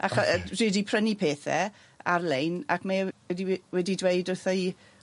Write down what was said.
acho- yy rwy 'di prynu pethe ar-lein ac mae e wedi we- wedi dweud wrtho i